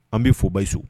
An bɛ fɔ basiso